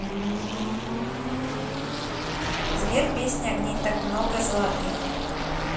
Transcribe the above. сбер песня огней так много золотых